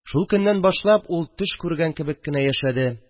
Шул көннән башлап ул төш күргән кебек кенә яшәде